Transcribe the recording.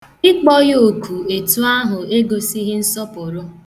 Ịkpọ ya oku etu ahụ egosighị nsọpụrụ.